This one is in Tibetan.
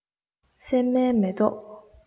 སྲན མའི མེ ཏོག